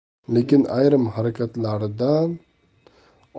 lekin ayrim harakatlarida